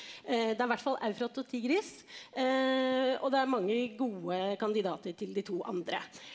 det er i hvert fall Eufrat og Tigris og det er mange gode kandidater til de to andre.